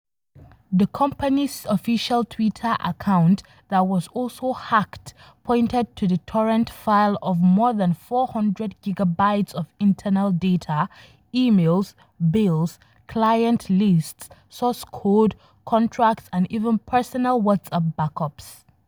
The company's official Twitter account, that was also hacked, pointed to the torrent file of more than 400 gigabytes of internal data: Emails, bills, client lists, source code, contracts and even personal WhatsApp backups.